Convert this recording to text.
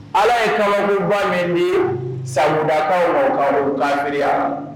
Ala ye kamalen minba min bi sakudakaw ma ka kairi la